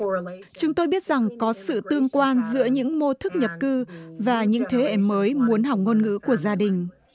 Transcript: chúng tôi biết rằng có sự tương quan giữa những mô thức nhập cư và những thế hệ mới muốn học ngôn ngữ của gia đình